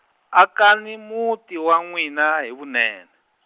akani muti wa n'wina hi vunene .